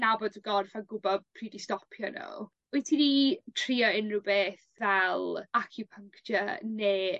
nabod dy gorff a gwbod pryd i stopio n'w, wyt ti 'di trio unryw beth fel acupuncture ne'